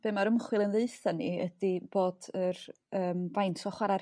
Be ma'r ymchwil yn dd'eu' 'tha ni ydi bod yr yrm faint o chwara'